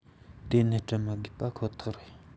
དེ ནས བསྐྲུན མི དགོས བ ཁོ ཐག རེད